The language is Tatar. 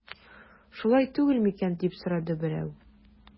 Шулай түгел микән дип сорады берәү.